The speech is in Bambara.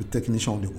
I bɛ tɛiniw de